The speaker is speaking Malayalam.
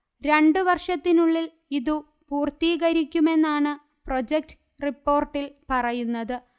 രണ്ടു വർഷത്തിനുള്ളിൽ ഇതു പൂർത്തീകരിക്കുമെന്നാണ് പ്രൊജക്റ്റ് റിപ്പോർട്ടിൽ പറയുന്നത്